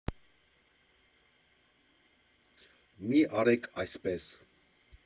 Մի արեք այսպես։